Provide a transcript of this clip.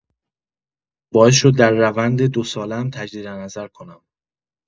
باعث شد در روند دو ساله‌ام تجدیدنظر کنم.